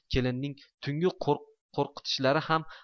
kelinining tungi qo'rqitishlari ham